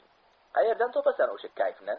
qaerdan topasan o'sha kayfni